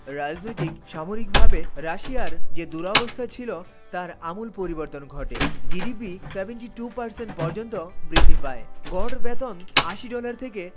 রাজনৈতিক সামরিকভাবে রাশিয়ার যে দুরবস্থা ছিল তার আমূল পরিবর্তন ঘটে জিডিপি ৭২ পার্সেন্ট পর্যন্ত বৃদ্ধি পায় গড় বেতন ৮০ ডলার থেকে